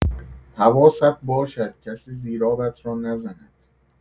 حواست باشد کسی زیرآبت را نزند.